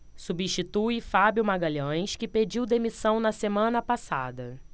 substitui fábio magalhães que pediu demissão na semana passada